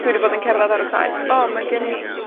dwi 'di bod yn cerddad ar y traeth, o ma gen i,